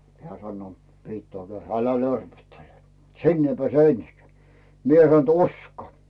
hän sanoo piti ajatella älä lörpöttele sinne ei pääse ensinkään minä sanoin että usko